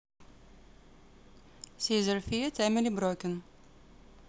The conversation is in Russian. seether feat emily broken